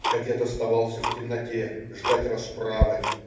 Кадет оставался в темноте, ждать расправы.